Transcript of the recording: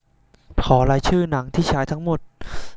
ขอรายชื่อหนังที่ฉายทั้งหมด